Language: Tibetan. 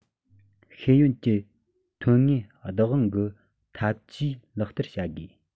ཤེས ཡོན གྱི ཐོན དངོས བདག དབང གི འཐབ ཇུས ལག བསྟར བྱ དགོས